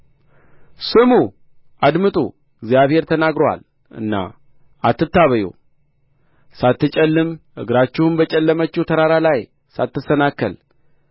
ስሙ አድምጡ እግዚአብሔር ተናግሮአልና አትታበዩ ሳትጨልም እግራችሁም በጨለመችው ተራራ ላይ ሳትሰናከል